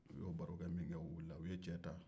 u y'o barokɛ minkɛ u wulila u ye cɛ ta